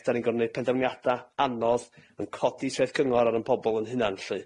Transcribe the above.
'Dan ni'n gor'o' neud pendefyniada anodd yn codi treth cyngor ar 'yn pobol 'yn hunan lly.